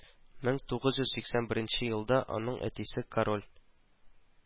Мең тугыз йөз сиксән беренче елда аның әтисе король